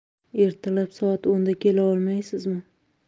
ertalab soat o'nda kela olmaysizmi